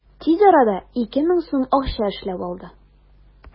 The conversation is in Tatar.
Тиз арада 2000 сум акча эшләп алды.